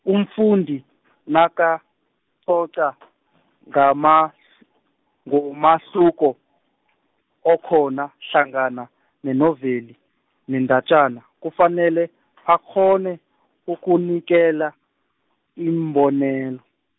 umfundi nakacoca , ngama- , ngomahluko okhona, hlangana nenovela nendatjana, kufanele akghone nokunikela, iimbonelo.